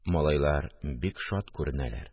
Малайлар бик шат күренәләр